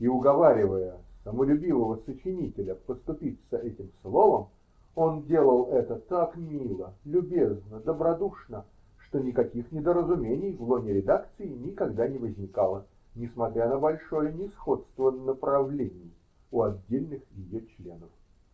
И, уговаривая самолюбивог сочинителя поступиться этим словом, он делал это так мило, любезно, добродушно, что никаких недоразумений в лоне редакции никогда не возникало, несмотря на большое несходство "направлений" у отдельных ее членов.